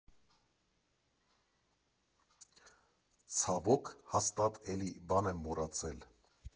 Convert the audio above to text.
Ցավոք, հաստատ էլի բան եմ մոռացել։